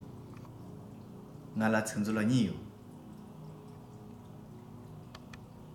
ང ལ ཚིག མཛོད གཉིས ཡོད